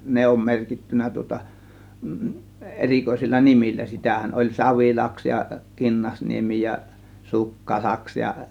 ne on merkitty tuota erikoisilla nimillä sitähän oli Savilaksi ja Kinnasniemi ja - Sukkalaksi ja